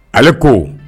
Ale ko